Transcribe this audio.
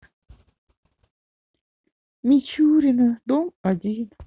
мичурина дом один